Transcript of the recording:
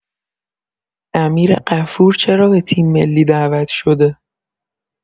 امیر غفور چرا به تیم‌ملی دعوت شده؟